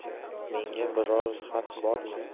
menga biror xat bormi